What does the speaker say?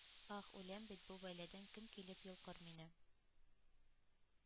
Аһ, үләм бит, бу бәладән кем килеп йолкыр мине?»